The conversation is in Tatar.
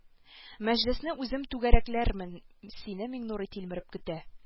Мәҗлесне үзем түгәрәкләрмен сине миңнурый тилмереп көтә